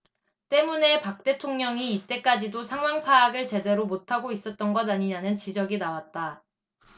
때문에 박 대통령이 이때까지도 상황 파악을 제대로 못하고 있었던 것 아니냐는 지적이 나왔다